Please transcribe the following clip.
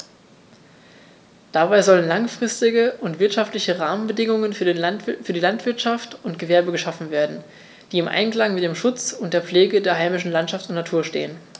Dabei sollen langfristige und wirtschaftliche Rahmenbedingungen für Landwirtschaft und Gewerbe geschaffen werden, die im Einklang mit dem Schutz und der Pflege der heimischen Landschaft und Natur stehen.